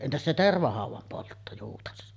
entäs se tervahaudan poltto juutas